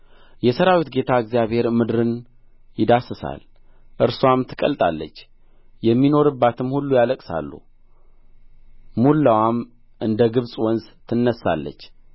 የሠራዊት ጌታ እግዚአብሔር ምድርን ይዳስሳል እርስዋም ትቀልጣለች የሚኖሩባትም ሁሉ ያለቅሳሉ ሙላዋም እንደ ግብጽ ወንዝ ትነሣለች